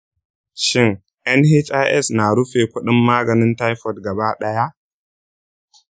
shin nhis na rufe kuɗin maganin typhoid gaba ɗaya?